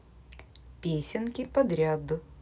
песенки подряд